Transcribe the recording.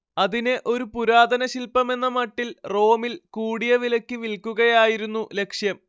അതിനെ ഒരു പുരാതനശില്പമെന്നമട്ടിൽ റോമിൽ കൂടിയ വിലക്ക് വിൽക്കുകയായിരുന്നു ലക്ഷ്യം